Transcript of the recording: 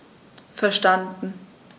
Verstanden.